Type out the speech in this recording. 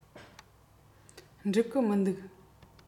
འགྲིག གི མི འདུག